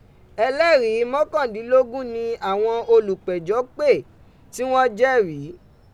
Ẹlẹri mọkandinlogun ni awọn olupẹjọ pe ti wọn jẹrii.